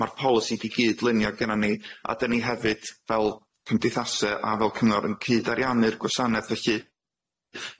ma'r polisi i gydlunia gynna ni a dyn ni hefyd fel cymdeithase a fel cyngor yn cyd ariannu'r gwasaneth felly,